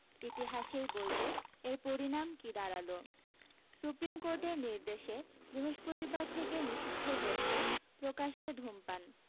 ইতিহাসেই বলবে এর পরিণাম কী দাঁড়াল সুপ্রিম কোর্টের নির্দেশে বৃহস্পতিবার থেকে নিষিদ্ধ হচ্ছে প্রকাশ্যে ধূমপান